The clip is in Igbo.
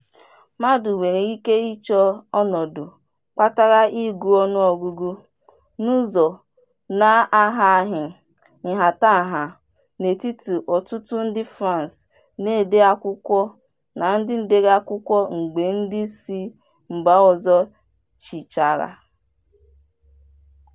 Mmadụ nwere ike ịchọ ọnọdụ kpatara ịgụ ọnụọgụgụ: n'ụzọ na-ahaghị nhatanha n'etiti ọtụtụ ndị France na-ede akwụkwọ na ndị dere akwụkwọ mgbe ndị si mba ọzọ chịchara.